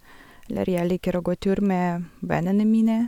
Eller jeg liker å gå tur med vennene mine.